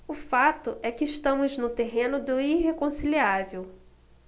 o fato é que estamos no terreno do irreconciliável